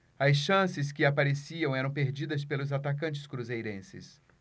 as chances que apareciam eram perdidas pelos atacantes cruzeirenses